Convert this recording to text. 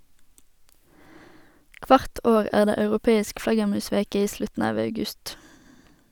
Kvart år er det europeisk flaggermusveke i slutten av august.